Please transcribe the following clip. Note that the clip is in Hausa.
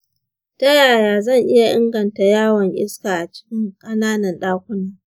ta yaya zan iya inganta yawon iska a cikin ƙananan ɗakuna?